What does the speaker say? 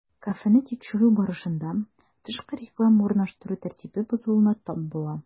Кафены тикшерү барышында, тышкы реклама урнаштыру тәртибе бозылуына тап була.